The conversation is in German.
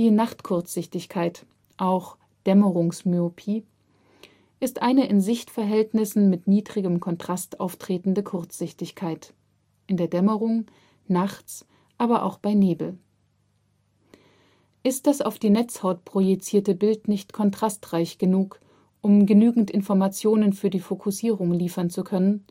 Nachtkurzsichtigkeit (auch: Dämmerungsmyopie) ist eine in Sichtverhältnissen mit niedrigem Kontrast auftretende Kurzsichtigkeit (in der Dämmerung, nachts, aber auch bei Nebel). Ist das auf die Netzhaut projizierte Bild nicht kontrastreich genug, um genügend Informationen für die Fokussierung liefern zu können